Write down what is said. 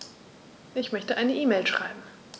Ich möchte eine E-Mail schreiben.